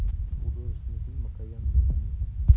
художественный фильм окаянные дни